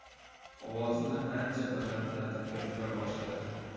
ovozini ancha balandlatib gapira boshladi